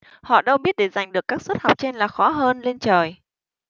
họ đâu biết để giành được các suất học trên là khó hơn lên trời